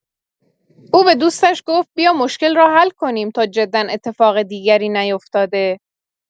او به دوستش گفت بیا مشکل را حل کنیم تا جدا اتفاق دیگری نیوفتاده